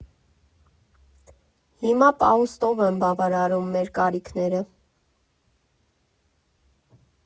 Հիմա պահուստով եմ բավարարում մեր կարիքները։